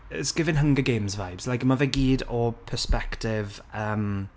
It's giving Hunger Games vibes like, ma' fe gyd o perspective yym...